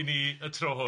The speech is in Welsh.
y tro hwn?